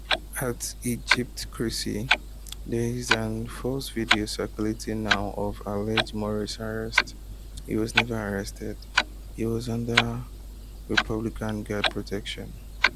@Egyptocracy: There is an false video circulating now of alleged “#Morsi arrest”, he was never arrested, he was under republican guard protection.